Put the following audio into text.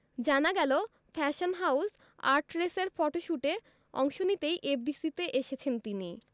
জানা গেল fashion house আর্টরেসের ফটশুটে অংশ নিতেই এফডিসিতে এসেছেন তিনি